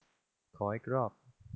ขออีกรอบ